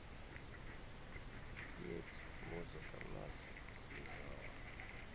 петь музыка нас связала